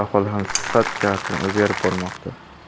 ahvoli ham sifat jihatdan o'zgarib bormoqda